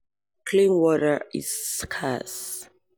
Clean water is scarce."